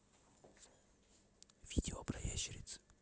видео про ящериц